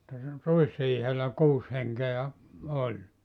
että siinä ruisriihellä kuusi henkeä oli